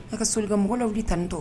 An ka so ka mɔgɔww de tan tɔ